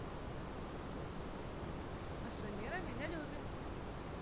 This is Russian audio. а самира меня любит